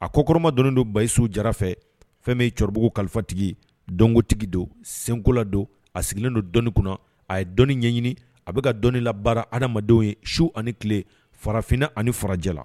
A ko koroma dɔnni don basiyiso jara fɛ fɛn bɛ ye cɛkɔrɔbabugu kalifatigi donkotigi don senkola don a sigilen don dɔni kunna a ye dɔnnii ɲɛɲini a bɛka ka dɔnnii labaa adamadamadenw ye su ani tile farafinna ani farajɛla